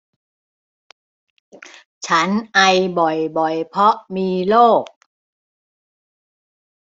ฉันไอบ่อยบ่อยเพราะมีโรค